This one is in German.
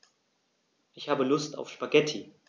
Ich habe Lust auf Spaghetti.